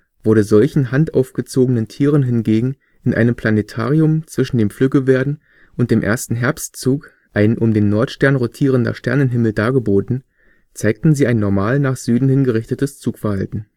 Wurde solchen handaufgezogenen Tieren hingegen in einem Planetarium zwischen dem Flüggewerden und dem ersten Herbstzug ein um den Nordstern rotierender Sternenhimmel dargeboten, zeigten sie ein normal nach Süden hin gerichtetes Zugverhalten